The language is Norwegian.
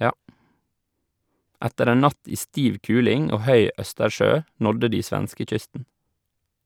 Etter en natt i stiv kuling og høy Østersjø nådde de svenskekysten.